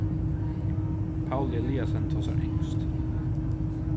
pauli eliasen tosar enskt